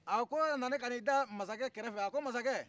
a ko a nana ka n'i da mansakɛ kɛrɛfɛ a ko mansakɛ